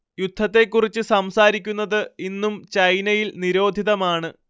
യുദ്ധത്തെക്കുറിച്ച് സംസാരിക്കുന്നത് ഇന്നും ചൈനയിൽ നിരോധിതമാണ്